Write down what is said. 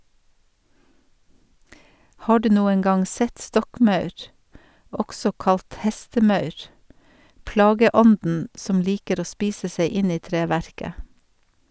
Har du noen gang sett stokkmaur, også kalt hestemaur, plageånden som liker å spise seg inn i treverket?